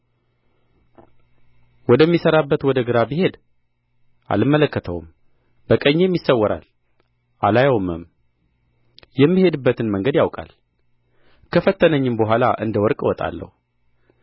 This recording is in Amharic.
ወደሚሠራበት ወደ ግራ ብሄድ አልመለከተውም በቀኜም ይሰወራል አላየውምም የምሄድበትን መንገድ ያውቃል ከፈተነኝም በኋላ እንደ ወርቅ እወጣለሁ